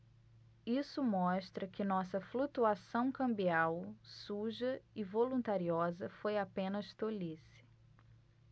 isso mostra que nossa flutuação cambial suja e voluntariosa foi apenas tolice